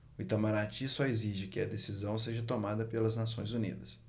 o itamaraty só exige que a decisão seja tomada pelas nações unidas